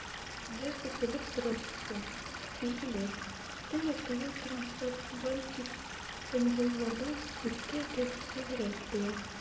Аляска - Себер трассасы, билгеле, төньяктагы трансатлантик конвойлардан күпкә хәвефсезрәк була.